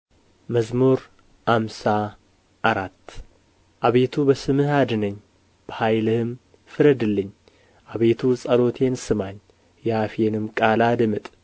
መዝሙር ሃምሳ አራት አቤቱ በስምህ አድነኝ በኃይልህም ፍረድልኝ አቤቱ ጸሎቴን ስማኝ የአፌንም ቃል አድምጥ